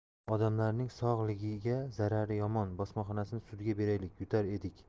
odamlarning sog lig iga zarari yomon bosmaxonasini sudga beraylik yutar edik